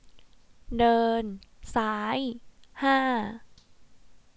เดินซ้ายห้า